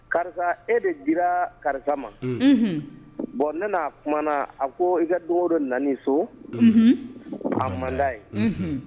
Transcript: Karisa e de dira karisa ma Unhun bon ne na kumana , a ko i ka don o don na li so Unhun a man da ye Unhun